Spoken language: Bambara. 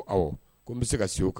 Aw ko n bɛ se ka se so kan